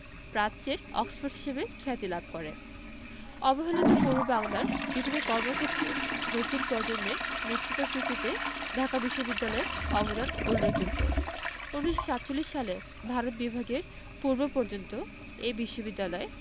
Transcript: প্রাচ্যের অক্সফোর্ড হিসেবে খ্যাতি লাভ করে অবহেলিত পূর্ববাংলার বিভিন্ন কর্মক্ষেত্রে নতুন প্রজন্মের নেতৃত্ব সৃষ্টিতে ঢাকা বিশ্ববিদ্যালয়ের অবদান উল্লেখযোগ্য ১৯৪৭ সালে ভারত বিভাগের পূর্বপর্যন্ত এ বিশ্ববিদ্যালয়